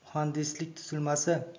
muhandislik tuzilmasi